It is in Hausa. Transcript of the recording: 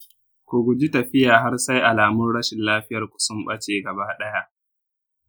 ku guji tafiya har sai alamun rashin lafiyarku sun bace gaba ɗaya.